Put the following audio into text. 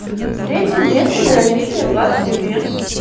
третье место евровидение двадцать один